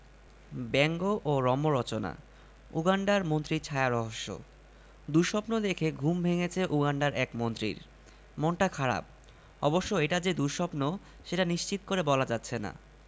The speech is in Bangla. ব্যঙ্গ ও রম্যরচনা উগান্ডার মন্ত্রীর ছায়ারহস্য দুঃস্বপ্ন দেখে ঘুম ভেঙেছে উগান্ডার এক মন্ত্রীর মনটা খারাপ অবশ্য এটা যে দুঃস্বপ্ন সেটা নিশ্চিত করে বলা যাচ্ছে না